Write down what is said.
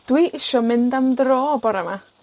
Dwi isio mynd am dro bora 'ma.